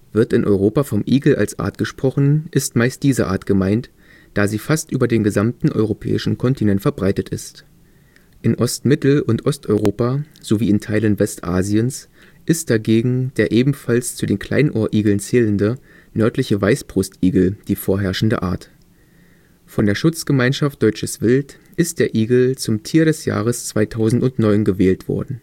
Wird in Europa vom Igel als Art gesprochen, ist meist diese Art gemeint, da sie fast über den gesamten europäischen Kontinent verbreitet ist. In Ostmittel - und Osteuropa sowie in Teilen Westasiens ist dagegen der ebenfalls zu den Kleinohrigeln zählende Nördliche Weißbrustigel die vorherrschende Art. Von der Schutzgemeinschaft Deutsches Wild ist der Igel zum „ Tier des Jahres 2009 “gewählt worden